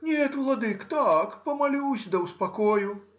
— Нет, владыко; так, помолюсь, да успокою.